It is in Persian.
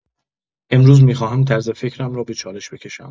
امروز می‌خواهم طرز فکرم را به چالش بکشم.